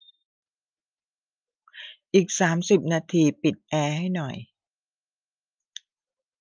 อีกสามสิบนาทีปิดแอร์ให้หน่อย